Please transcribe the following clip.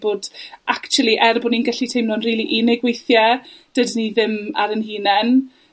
bod actually, er bo' ni'n gallu teimlo'n rili unig weithie, dydyn ni ddim ar 'yn hunen.